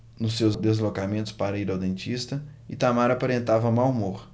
nos seus deslocamentos para ir ao dentista itamar aparentava mau humor